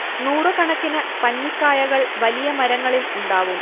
നൂറുകണക്കിന് പഞ്ഞിക്കായകൾ വലിയ മരങ്ങളിൽ ഉണ്ടാവും